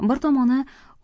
bir tomoni